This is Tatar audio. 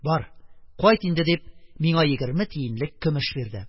Бар кайт инде, - дип, миңа егерме тиенлек көмеш бирде.